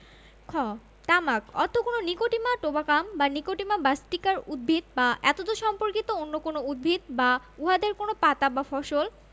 খ তামাক অর্থ কোন নিকোটিমা টোবাকাম বা নিকোটিমা বাসটিকার উদ্ভিদ বা এতদ্ সম্পর্কিত অন্য কোন উদ্ছিদ বা উহাদের কোন পাতা বা ফসল